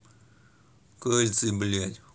кальций блядь